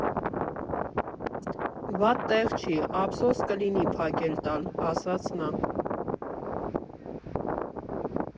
Վատ տեղ չի, ափսոս կլինի փակել տալ, ֊ ասաց նա։